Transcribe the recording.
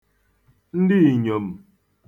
ndịìnyòm̀